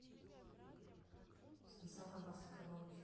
сансара баста караоке